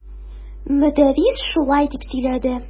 Мөдәррис шулай дип сөйләнде.